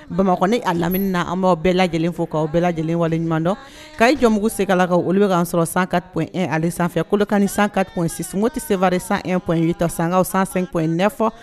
Bamakɔ ni a lamini na an baw bɛɛ lajɛlen fo. Kaw bɛɛ lajɛlen waleɲumandɔn kayi jɔn mugu sebalakaw. olu bɛ kan sɔrɔ 104.1 ale sanfɛ. Kolokani 104.6. Moti Sevare 101.8 San kaw 105.9